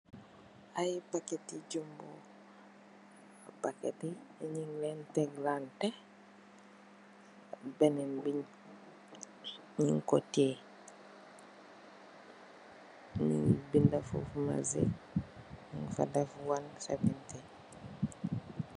Ai parket jumbo. parket yi nyu len takelante. Benen bi nyu ko tai nyu bedafa wazi ak one seventy.